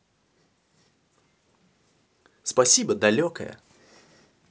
спасибо далекая